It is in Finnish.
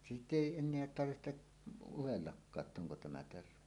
sitä ei enää tarvitse udellakaan jotta onko tämä terve